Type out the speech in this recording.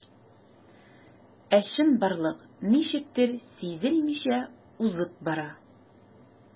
Ә чынбарлык ничектер сизелмичә узып бара.